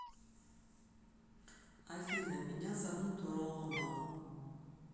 афина меня зовут roma